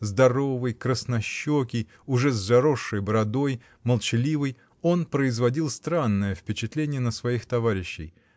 Здоровый, краснощекий, уже с заросшей бородой, молчаливый, он производил странное впечатление на своих товарищей